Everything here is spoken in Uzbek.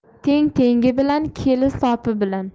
teng tengi bilan keli sopi bilan